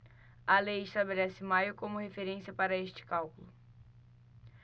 a lei estabelece maio como referência para este cálculo